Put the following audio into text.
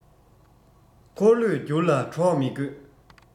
འཁོར ལོས བསྒྱུར ལ གྲོགས མི དགོས